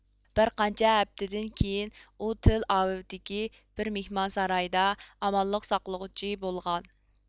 بىر قانچە ھەپتىدىن كېيىن ئۇ تېل ئاۋېۋتىكى بىر مىھمانسارايدا ئامانلىق ساقلىغۇچى بولغان